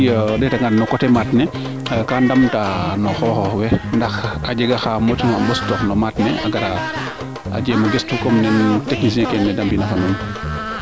iyo o ndeeta ngaan no coté ne maaat na xaye kaa ndam ta no xoxoox we ndax a jega xaa osna sutoox no maat ne ga'a a jeg